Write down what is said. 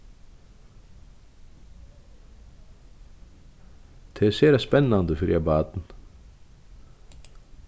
tað er sera spennandi fyri eitt barn